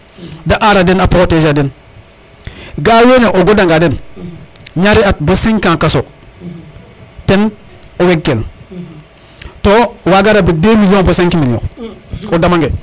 de ara den a proteger a den ga a wene o goda nga den ñari at bo cinq ans koso ten o weg kel to waga rabide deux million cinq million o dama nge